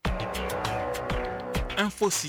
An fo sigi